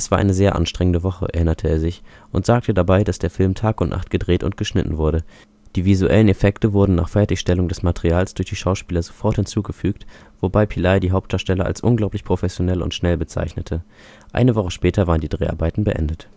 eine sehr anstrengende Woche “, erinnerte er sich und sagte dabei, dass der Film Tag und Nacht gedreht und geschnitten wurde. Die visuellen Effekte wurden nach Fertigstellung des Materials durch die Schauspieler sofort hinzugefügt, wobei Peli die Hauptdarsteller als „ unglaublich professionell und schnell “bezeichnete. Eine Woche später waren die Dreharbeiten beendet